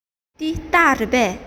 འདི སྟག རེད པས